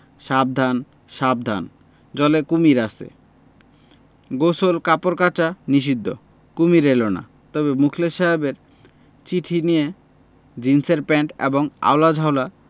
সাবধান সাবধান জলে কুমীর আছে গোসল কাপড় কাচা নিষিদ্ধ কুমীর এল না তবে মুখলেস সাহেবের চিঠি নিয়ে জীনসের প্যান্ট এবং আউলা ঝাউলা